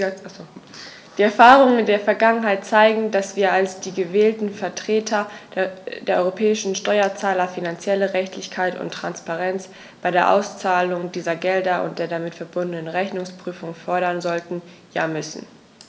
Die Erfahrungen der Vergangenheit zeigen, dass wir als die gewählten Vertreter der europäischen Steuerzahler finanzielle Redlichkeit und Transparenz bei der Auszahlung dieser Gelder und der damit verbundenen Rechnungsprüfung fordern sollten, ja müssen.